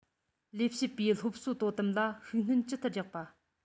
ལས བྱེད པའི སློབ གསོ དོ དམ ལ ཤུགས སྣོན ཇི ལྟར རྒྱག པ